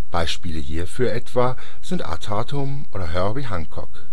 Beispiele hierfür etwa sind Art Tatum oder Herbie Hancock